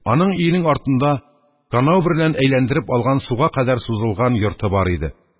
Аның өенең артында канау берлән әйләндереп алган суга кадәр сузылган йорты бар иде.